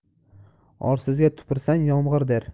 orsizga tupursang yomg'ir der